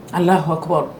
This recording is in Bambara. Alahuwakubaru